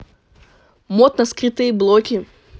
мод на скрытые блоки